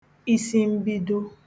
isimbido